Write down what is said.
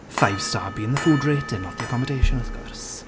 Five star being the food rating not the accommodation wrth gwrs.